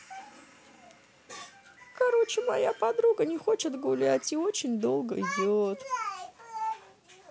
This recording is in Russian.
короче моя подруга не хочет гулять и очень долго идет